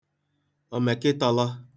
òmèkịtọ̄lọ̄